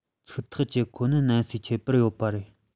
ཚིག ཐག བཅད ཁོ ནི གནམ སའི ཁྱད པར ཡོད པ རེད